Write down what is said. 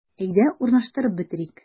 Әйдә, урнаштырып бетерик.